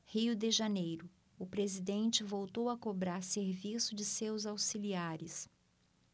rio de janeiro o presidente voltou a cobrar serviço de seus auxiliares